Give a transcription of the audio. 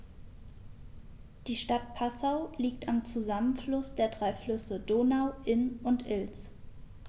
Die Stadt Passau liegt am Zusammenfluss der drei Flüsse Donau, Inn und Ilz.